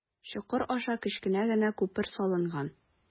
Чокыр аша кечкенә генә күпер салынган.